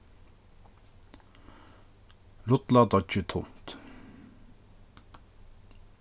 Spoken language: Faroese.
rulla deiggið tunt